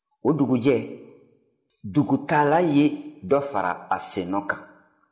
o dugujɛ dugutagala ye dɔ fara a sennɔ kan